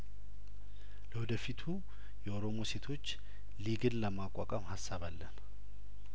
ለወደፊቱ የኦሮሞ ሴቶች ሊግን ለማቋቋም ሀሳብ አለን